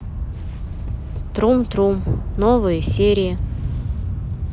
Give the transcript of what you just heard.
трум трум новые серии